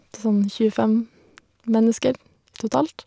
Det er sånn tjuefem mennesker totalt.